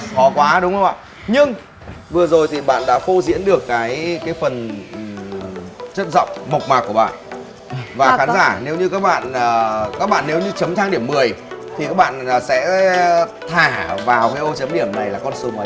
khó quá đúng không ạ nhưng vừa rồi thì bạn đã phô diễn được cái cái phần chất giọng mộc mạc của bạn và khán giả nếu như các bạn ờ các bạn nếu như chấm thang điểm mười nếu bạn là sẽ thả vào cái ô chấm điểm này là con số mấy ạ